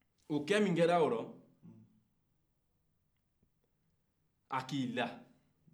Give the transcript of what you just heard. o kɛ mun kɛra ola a y'i da